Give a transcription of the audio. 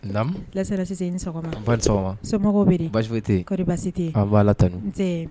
Naamu, Lasana Sise i ni sɔgɔma, an ba ni sɔgɔma, so mɔgɔw dun? Basi fosi tɛ yen, kɔri basi tɛ yen ? An b'Ala tanu, nse